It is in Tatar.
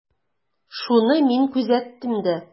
Шуны мин күзәттем дә.